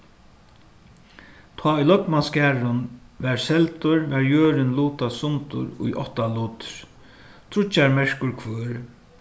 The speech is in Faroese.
tá ið løgmansgarðurin varð seldur varð jørðin lutað sundur í átta lutir tríggjar merkur hvør